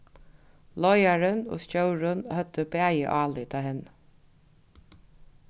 leiðarin og stjórin høvdu bæði álit á henni